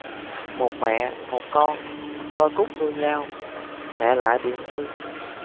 một mẹ một con côi cút nuôi nhau mẹ lại bị ung thư